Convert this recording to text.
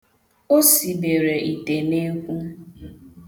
O sibere ite n'ekwu.